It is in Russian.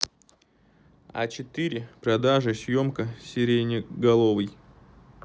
а четыре продажи съемка сиреноголовый